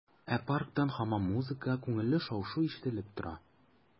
Ә парктан һаман музыка, күңелле шау-шу ишетелеп тора.